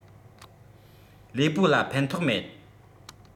ལུས པོ ལ ཕན ཐོགས མེད